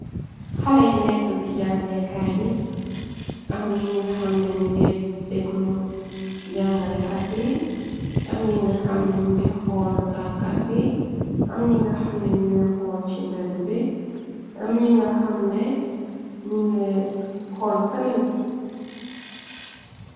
Xalay nekk ci jangeekaay bi, am ñinga xamne ñu ngay dékklu jàngale kat bi, am ñi nga xamne ñu ngay xool natal kat bi, am ñi nga xamne ñu ngay xool ci mbédd bi, am ñi nga xamne ñi ngay xool fenen.